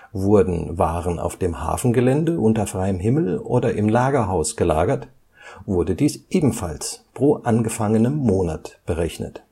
Wurden Waren auf dem Hafengelände (unter freiem Himmel oder im Lagerhaus) gelagert, wurde dies ebenfalls pro angefangenem Monat berechnet